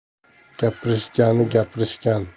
gapirishgani gapirishgan